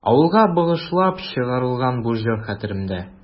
Авылга багышлап чыгарылган бу җыр хәтеремдә.